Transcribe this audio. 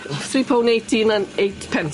Three pound eighteen an' eight pence.